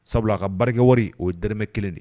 Sabula a ka barikakɛ wari o ye dmɛ kelen de ye